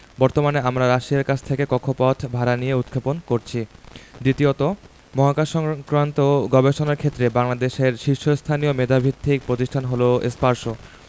বর্তমানে আমরা রাশিয়ার কাছ থেকে কক্ষপথ ভাড়া নিয়ে উৎক্ষেপণ করেছি দ্বিতীয়ত মহাকাশসংক্রান্ত গবেষণার ক্ষেত্রে বাংলাদেশের শীর্ষস্থানীয় মেধাভিত্তিক প্রতিষ্ঠান হলো স্পারসো